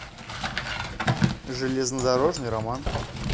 железнодорожный роман